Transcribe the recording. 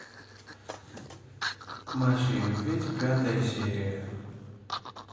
маша и медведь пятая серия